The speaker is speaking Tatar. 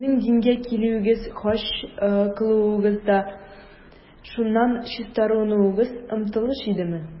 Сезнең дингә килүегез, хаҗ кылуыгыз да шуннан чистарынуга омтылыш идеме?